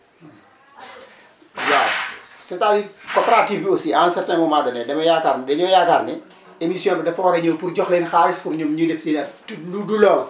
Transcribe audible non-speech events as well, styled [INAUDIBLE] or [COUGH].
[HESITATION] [NOISE] waaw [NOISE] c' est à dire coopérative bi aussi à un certain moment donné dama yaakaar ne dañoo yaakaar ne émission bi dafa war a ñëw pour jox leen xaalis pour ñoom ñuy def seen i affaire te du loolu